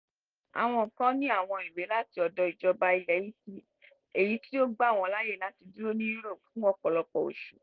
Àwọn kan ní àwọn ìwé láti ọ̀dọ̀ ìjọba ilẹ̀ Italy èyí tí ó gbà wọ́n láàyè láti dúró ní Europe fún ọ̀pọ̀lọpọ̀ oṣù.